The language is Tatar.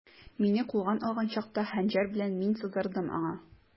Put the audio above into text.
Мине кулга алган чакта, хәнҗәр белән мин сыдырдым аңа.